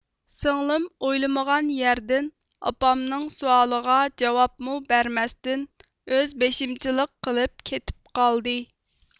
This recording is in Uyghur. سىڭلىم ئويلىمىغان يەردىن ئاپامنىڭ سوئالىغا جاۋابمۇ بەرمەستىن ئۆز بېشىمچىلىق قىلىپ كېتىپ قالدى